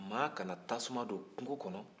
maa kana tasuma don kungo kɔnɔ